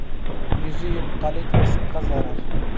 yuzi yupqalik rizqqa zarar